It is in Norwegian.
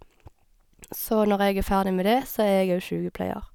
Så når jeg er ferdig med det, så er jeg òg sjukepleier.